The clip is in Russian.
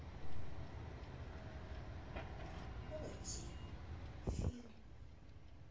буратино фильм